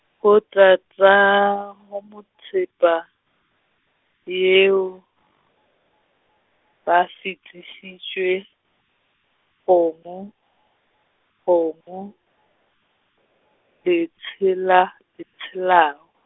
botatago mothepa, yeo, ba fetišišwe, kgomo, kgomo, le tshela, le tshelau.